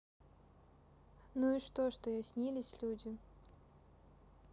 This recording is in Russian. ну и что я снились люди